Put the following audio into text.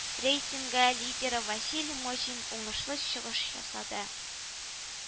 Рейтингы лидеры василий мосин уңышлы чыгыш ясады